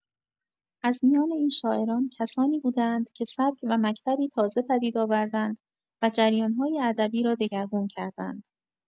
از میان این شاعران، کسانی بوده‌اند که سبک و مکتبی تازه پدید آوردند و جریان‌های ادبی را دگرگون کردند.